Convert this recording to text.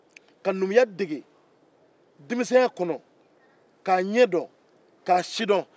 ka numuya dege denmisɛnya kɔnɔ k'a sidɔn